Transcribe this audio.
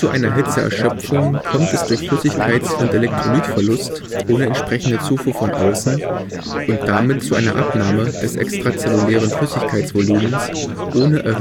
einer Hitzeerschöpfung kommt es durch Flüssigkeits - und Elektrolytverlust ohne entsprechende Zufuhr von außen – und damit zu einer Abnahme des extrazellulären Flüssigkeitsvolumens ohne